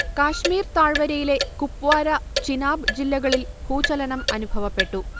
കാശ്മീർ താഴ്വരയിലെ കുപ്വാര, ചിനാബ് ജില്ലകളിൽ ഭൂചലനം അനുഭവപ്പെട്ടു